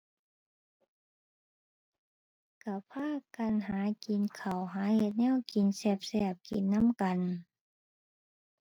ก็พากันหากินข้าว หาเฮ็ดแนวกินแซ่บแซ่บกินนำกัน